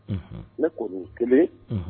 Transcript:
Ne kɔni kelen